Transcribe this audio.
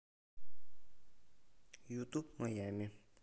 ютуб маями